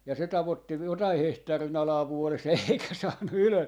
ja se tavoitti jotakin hehtaarin alaa vuodessa eikä saanut ylös